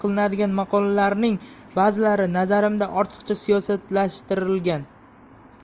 qilinadigan maqolalarning ba'zilari nazarimda ortiqcha siyosiylashtirilgan